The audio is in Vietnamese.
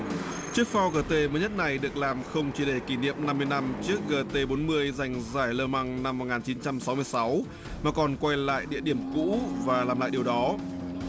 chiếc pho gờ tê mới nhất này được làm không chỉ để kỷ niệm năm mươi lăm chiếc gờ tê bốn mươi giành giải lơ măng năm một nghìn chín trăm sáu mươi sáu mà còn quay lại địa điểm cũ và làm lại điều đó